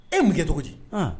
E ye mun kɛ cogo di? Ɔn!